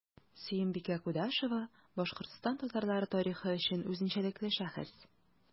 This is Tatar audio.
Сөембикә Кудашева – Башкортстан татарлары тарихы өчен үзенчәлекле шәхес.